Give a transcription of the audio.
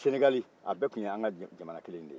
sɛnɛgali a bɛɛ tun y'an ka jamana kelen de ye